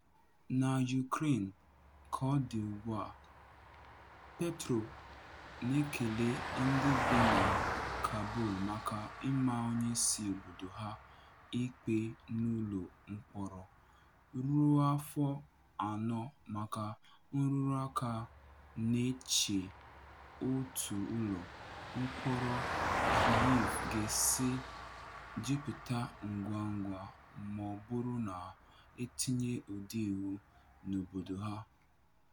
Na Ukraine, kaọdị ugbua, Petro na-ekele ndị bi na Kabul maka ịma onyeisi obodo ha ikpe n'ụlọ mkpọrọ ruo afọ anọ maka nrụrụaka ma na-eche otú ụlọ mkpọrọ Kyiv ga-esi jupụta ngwangwa maọbụrụ na etinye ụdị iwu a n'obodo ya.